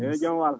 eyyi yo jaam waal